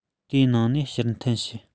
དེའི ནང ནས ཕྱིར འཐེན བྱས